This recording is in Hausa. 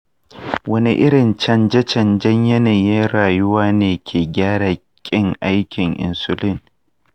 wani irin canje canjen yanayin rayuwa ne ke gyara ƙin aikin insulin?